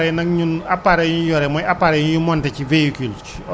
même appareils yi sax est ce que ku ñëw ci yéen dana ko war a mën a am foofu wala